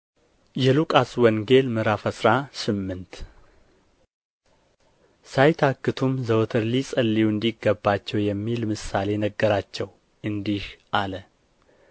የሉቃስ ወንጌል ምዕራፍ አስራ ስምንት ሳይታክቱም ዘወትር ሊጸልዩ እንዲገባቸው የሚል ምሳሌን ነገራቸው እንዲህ ሲል